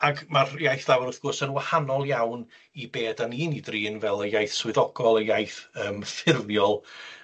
Ag ma'r iaith nawr wrth gwrs yn wahanol iawn i be' 'dan ni'n 'i drin fel y iaith swyddogol y iaith yym ffurfiol